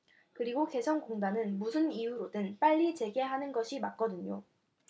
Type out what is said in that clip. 그리고 개성공단은 무슨 이유로든 빨리 재개하는 것이 맞거든요